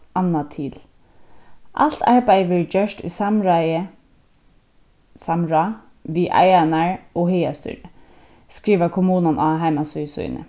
annað til alt arbeiðið verður gjørt í samráði samráð við eigararnar og hagastýrið skrivar kommunan á heimasíðu síni